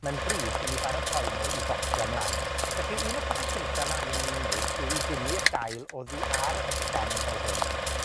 mae'n bryd i ni baratoi nw i botio ymlan. Felly, un o'r pethe cynta ma' angen i ni neud yw i dinnu'r dail oddi ar y stem fel hyn,